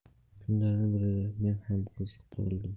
kunlardan birida men ham qiziqib qoldim